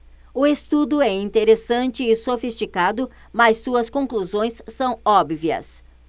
o estudo é interessante e sofisticado mas suas conclusões são óbvias